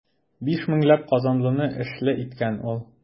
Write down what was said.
Биш меңләп казанлыны эшле иткән ул.